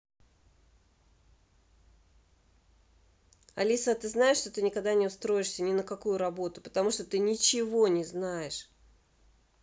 алиса а ты знаешь что ты никогда не устроишься ни на какую работу потому что ты ничего не знаешь